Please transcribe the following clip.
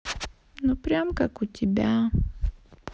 ну прям как у тебя